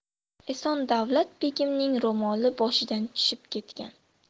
eson davlat begimning ro'moli boshidan tushib ketgan